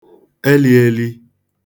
elīēlī